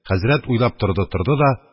Хәзрәт уйлап торды-торды да: